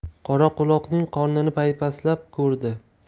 qoraquloqning qornini paypaslab ko'rdi